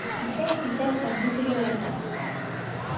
Исәп-хисап, компьютер ярата...